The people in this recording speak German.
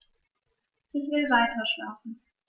Ich will weiterschlafen.